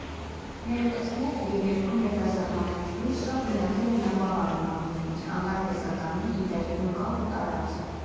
֊ Մեր ուտեստները և երկրում, և դրա սահմաններից դուրս շատ նույնաձև ու միապաղաղ են մատուցվում՝ստանդարտ տեսականի, ինտերիերում՝ կավ ու տարազ։